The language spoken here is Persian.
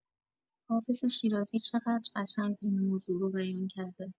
حافظ شیرازی چقدر قشنگ این موضوع رو بیان کرده.